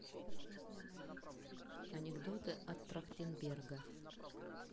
анекдоты от трахтенберга